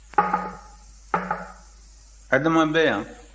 kɔnkɔn adama bɛ yan